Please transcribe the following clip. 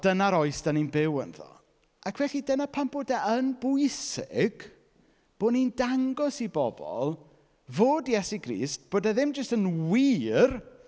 Dyna'r oes dan ni'n byw ynddo ac felly dyna pam bod e yn bwysig bo' ni'n dangos i bobl fod Iesu Grist... bod e ddim jyst yn wir.